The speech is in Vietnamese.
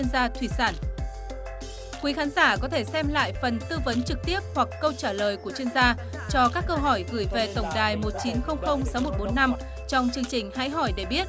gia thủy sản quý khán giả có thể xem lại phần tư vấn trực tiếp hoặc câu trả lời của chuyên gia cho các câu hỏi gửi về tổng đài một chín không không sáu một bốn năm trong chương trình hãy hỏi để biết